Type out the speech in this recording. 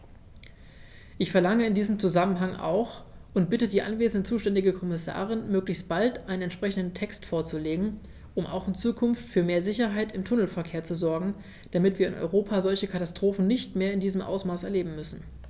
Ich verlange in diesem Zusammenhang auch und bitte die anwesende zuständige Kommissarin, möglichst bald einen entsprechenden Text vorzulegen, um auch in Zukunft für mehr Sicherheit im Tunnelverkehr zu sorgen, damit wir in Europa solche Katastrophen nicht mehr in diesem Ausmaß erleben müssen!